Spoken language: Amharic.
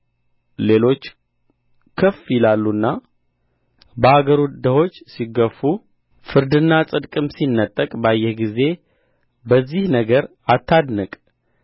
ሌሎች ከፍ ይላሉና በአገሩ ድሆች ሲገፉ ፍርድና ጽድቅም ሲነጠቅ ባየህ ጊዜ በዚህ ነገር አታድንቅ